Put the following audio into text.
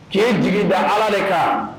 K' jigin da ala de kan